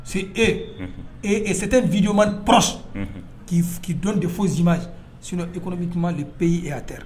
Se e ee ɛ se tɛ vjuman pas k' k'i dɔn de fo zima s e kɔnɔ bɛ tun'ale pe' e aa